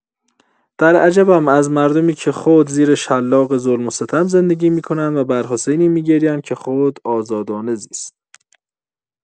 در عجبم از مردمی که خود زیر شلاق ظلم و ستم زندگی می‌کنند و بر حسینی می‌گریند که خود آزادانه زیست.